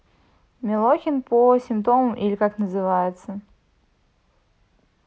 милохин по симптом или как называется